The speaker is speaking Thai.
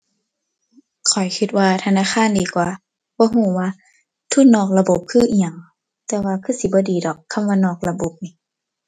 ข้อยคิดว่าธนาคารดีกว่า บ่คิดว่าทุนนอกระบบคืออิหยัง แต่ว่าคือสิบ่ดีดอก คำว่านอกระบบนี่